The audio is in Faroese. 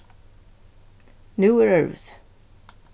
nú er øðrvísi